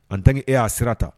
En temps que e y'a sira ta